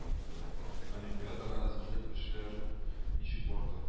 Олимпиадага әзерлек эшләре ничек барды